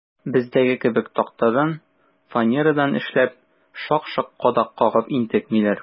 Бездәге кебек тактадан, фанерадан эшләп, шак-шок кадак кагып интекмиләр.